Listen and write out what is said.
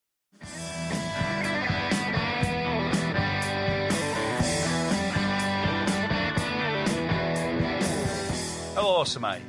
Helo swmai?